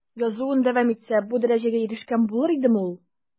Язуын дәвам итсә, бу дәрәҗәгә ирешкән булыр идеме ул?